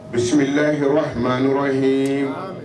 Bi bisimila hhiɔrɔ ye